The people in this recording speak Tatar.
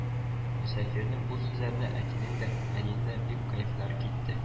Мөсафирнең бу сүзләренә әтинең дә, әнинең дә бик кәефләре китте: